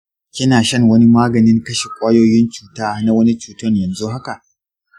kina shan wani maganin kashe kwayoyin cuta na wani cutan yanzu haka?